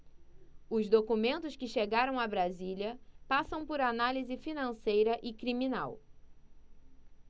os documentos que chegaram a brasília passam por análise financeira e criminal